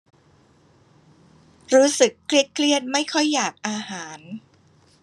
รู้สึกเครียดเครียดไม่ค่อยอยากอาหาร